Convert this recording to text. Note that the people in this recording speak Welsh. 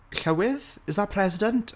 llywydd? Is that President?